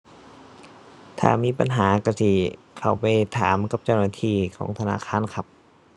ถ้ามีปัญหาก็สิเข้าไปถามกับเจ้าหน้าที่ของธนาคารครับ